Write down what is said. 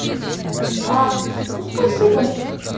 а ну спасибо